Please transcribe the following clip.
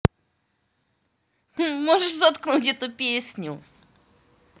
можешь заткнуть эту песню